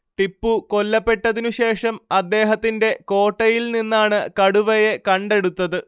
ടിപ്പൂ കൊല്ലപ്പെട്ടതിനുശേഷം അദ്ദേഹത്തിന്റെ കോട്ടയിൽ നിന്നാണ് കടുവയെ കണ്ടെടുത്തത്